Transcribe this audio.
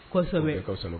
Kɔsɛbɛ e kɔ so